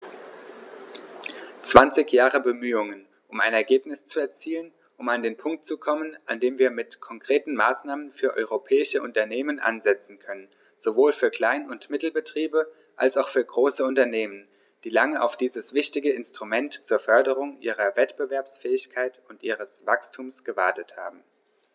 Zwanzig Jahre Bemühungen, um ein Ergebnis zu erzielen, um an den Punkt zu kommen, an dem wir mit konkreten Maßnahmen für europäische Unternehmen ansetzen können, sowohl für Klein- und Mittelbetriebe als auch für große Unternehmen, die lange auf dieses wichtige Instrument zur Förderung ihrer Wettbewerbsfähigkeit und ihres Wachstums gewartet haben.